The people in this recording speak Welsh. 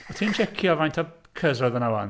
O't ti'n checio faint o Cs oedd fan'na 'wan?